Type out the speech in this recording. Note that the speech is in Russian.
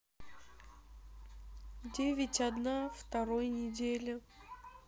девять одна второй недели